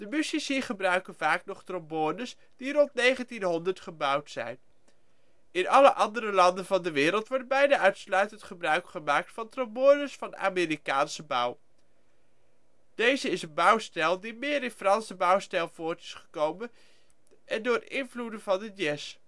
musici gebruiken vaak nog trombones die rond 1900 gebouwd zijn. In alle andere landen van de wereld wordt bijna uitsluitend gebruik gemaakt van trombones van Amerikaanse bouw. Deze is een bouwstijl die meer uit de Franse bouwstijl voort is gekomen en door invloeden van de jazz